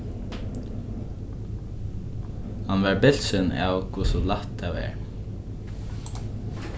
hann varð bilsin av hvussu lætt tað var